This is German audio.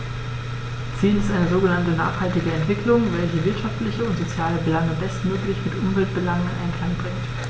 Ziel ist eine sogenannte nachhaltige Entwicklung, welche wirtschaftliche und soziale Belange bestmöglich mit Umweltbelangen in Einklang bringt.